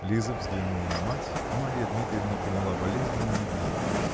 Лиза взглянула на мать, а Марья Дмитриевна приняла болезненный вид